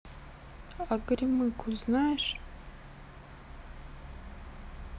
а горемыку знаешь